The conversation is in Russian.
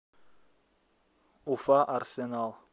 уфа арсенал